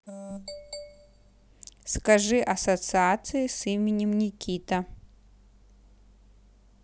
скажи ассоциации с именем никита